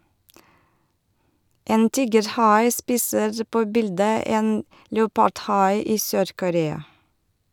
En tigerhai spiser på bildet en leopardhai i Sør-Korea.